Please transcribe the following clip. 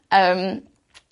Yym.